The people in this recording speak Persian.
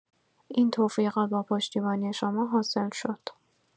این توفیقات با پشتیبانی شما حاصل شد.